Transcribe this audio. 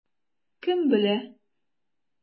Кем белә?